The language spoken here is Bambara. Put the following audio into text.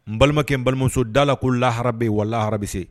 N balimakɛ n balimamusoda la ko lahara bɛ yen wa lahara bɛ se